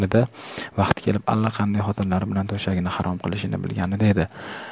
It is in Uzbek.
vaqti kelib allaqanday xotinlar bilan to'shagini harom qilishini bilganida edi